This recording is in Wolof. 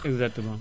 exactement